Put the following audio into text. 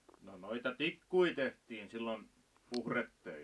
no noita tikkuja tehtiin silloin puhdetöinä